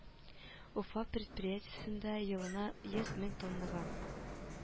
Уфа предприятиесендә елына йөз мең тоннага